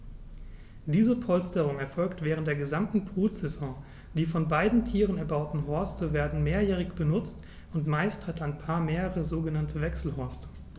Diese Polsterung erfolgt während der gesamten Brutsaison. Die von beiden Tieren erbauten Horste werden mehrjährig benutzt, und meist hat ein Paar mehrere sogenannte Wechselhorste.